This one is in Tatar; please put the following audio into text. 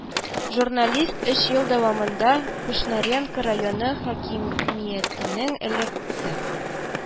Журналист өч ел дәвамында Кушнаренко районы хакимиятенең элекке